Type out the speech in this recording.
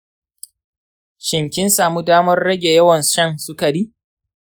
shin kin samu damar rage yawan shan sukari?